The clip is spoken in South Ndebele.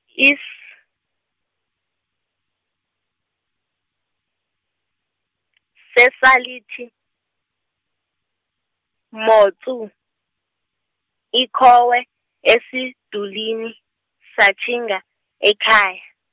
is-, sesalithi, motsu, ikhowe esidulini satjhinga ekhaya.